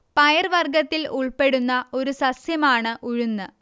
പയർ വർഗ്ഗത്തിൽ ഉൾപ്പെടുന്ന ഒരു സസ്യമാണ് ഉഴുന്ന്